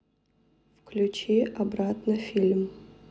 включи обратно фильм